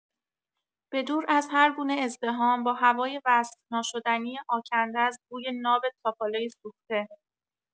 به دور از هرگونه ازدحام، با هوای وصف‌ناشدنی آکنده از بوی ناب تاپالۀ سوخته